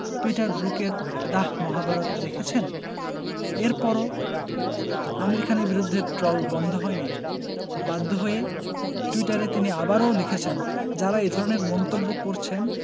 Peter ব্রুকের “the Mahabharata” দেখেছেন এরপরও আমির খানের বিরুদ্ধে ট্রল বন্ধ হয়নি বাধ্য হয়ে টুইটারে তিনি আবারও লিখেছেন যাঁরা এ ধরনের মন্তব্য করছেন